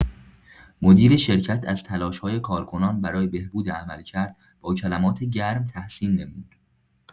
مدیر شرکت از تلاش‌های کارکنان برای بهبود عملکرد، با کلمات گرم تحسین نمود.